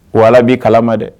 O Ala b'i kalama dɛ